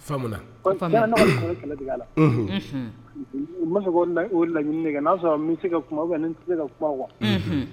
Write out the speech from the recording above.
Faamuna pace que tiɲɛ na ne unhun unhun n be fɛ k'o la o laɲini de kɛ n'a sɔrɔ ni n bɛ se ka kuma ni n tɛ se ka kuma quoi